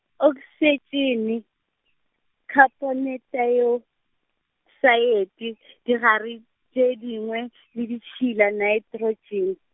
oksitšene, khapontaoksaete, digare tše dingwe , le ditšhila naetrotšene.